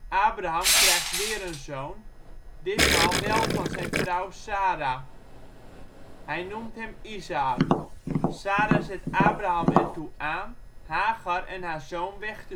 Abraham krijgt weer een zoon, ditmaal wel van zijn vrouw Sara. Hij noemt hem Izaäk. Sara zet Abraham er toe aan Hagar en haar zoon weg